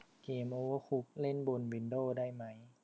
เกมโอเวอร์คุกเล่นบนวินโด้ได้ไหม